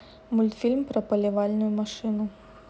мультфильм про поливальную машину